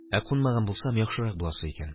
Ә кунмаган булсам яхшырак буласы икән.